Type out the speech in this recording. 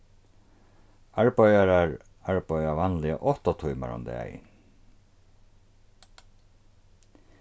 arbeiðarar arbeiða vanliga átta tímar um dagin